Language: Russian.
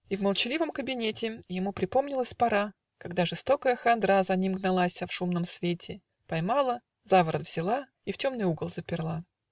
И в молчаливом кабинете Ему припомнилась пора, Когда жестокая хандра За ним гналася в шумном свете, Поймала, за ворот взяла И в темный угол заперла.